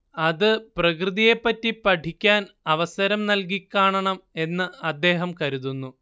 അത് പ്രകൃതിയെപറ്റി പഠിക്കാന്‍ അവസരം നൽകിക്കാണണം എന്ന് അദ്ദേഹം കരുതുന്നു